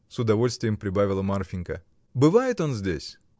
— с удовольствием прибавила Марфинька. — Бывает он здесь?